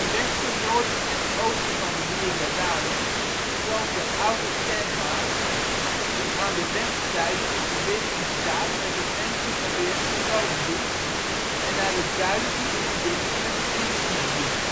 westen, noorden en oosten van de wierde Ranum stroomt de Oude Tenmaar, die aan de westzijde in verbinding staat met het Mensingeweersterloopdiep en naar het zuiden toe in verbinding met het Winsumerdiep